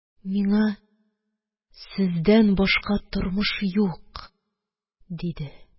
Миңа сездән башка тормыш юк... – диде.